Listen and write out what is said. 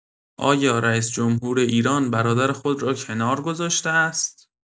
آیا رئیس‌جمهور ایران برادر خود را کنار گذاشته است؟